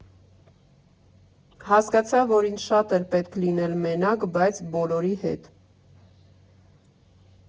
Հասկացա, որ ինձ շատ էր պետք լինել մենակ, բայց բոլորի հետ։